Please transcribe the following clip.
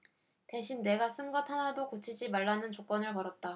대신 내가 쓴 것 하나도 고치지 말라는 조건을 걸었다